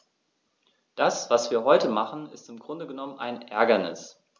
Das, was wir heute machen, ist im Grunde genommen ein Ärgernis.